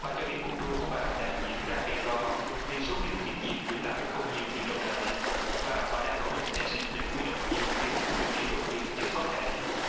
bà cho biết cuộc đua của bà đang diễn ra gay go vì số phiếu khiếm diện gửi lại không nhiều như trông đợi và bà đang nỗ lực hết sức để huy động nhiều phiếu của cử tri gốc việt nhất có thể